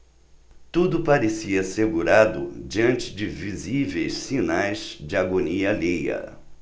tudo parecia assegurado diante de visíveis sinais de agonia alheia